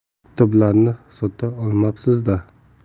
kitoblarni sota qolmabsiz da